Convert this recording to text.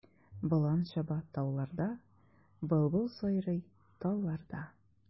Болан чаба тауларда, былбыл сайрый талларда.